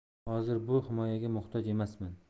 hozir bu himoyaga muhtoj emasman